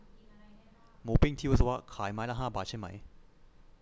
หมูปิ้งที่วิศวะขายไม้ละห้าบาทใช่ไหม